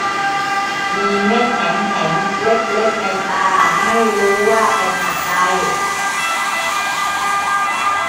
มีเม็ดแข็งแข็งเล็กเล็กในตาไม่รู้ว่าเป็นอะไร